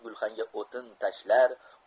gulxanga o'tin tashlar